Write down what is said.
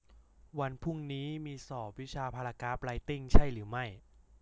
วันพรุ่งนี้มีสอบวิชาพารากราฟไรท์ติ้งใช่หรือไม่